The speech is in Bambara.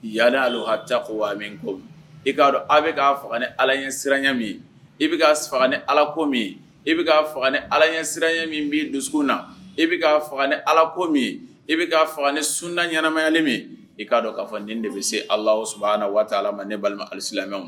Ya aral ha ko min ko k'a a bɛ k faga ni alaye siranya min i bɛ faga ni ala ko min i bɛ faga ni alaye siranya min dusu na i bɛ faga ni ala ko min i bɛ ka faga ni sunda ɲɛnaanamayali min i k'a dɔn ka fɔden de bɛ se ala o waati ala ma ne balima alisi lamɛnmɛ